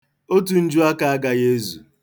Otu njuaka agaghị ezu.